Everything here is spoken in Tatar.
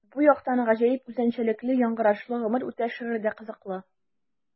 Бу яктан гаҗәеп үзенчәлекле яңгырашлы “Гомер үтә” шигыре дә кызыклы.